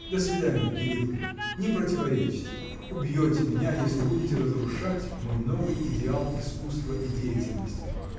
До свидания, Кирилов, — не противоречьте: убьете меня, если будете разрушать мой новый идеал искусства и деятельности.